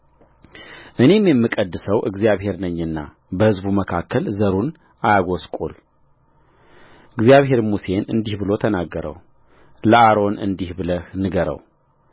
እኔም የምቀድሰው እግዚአብሔር ነኝና በሕዝቡ መካከል ዘሩን አያጐስቍልእግዚአብሔርም ሙሴን እንዲህ ብሎ ተናገረውለአሮን እንዲህ ብለህ ንገረው